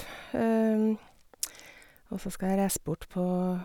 Og så skal jeg reise bort på...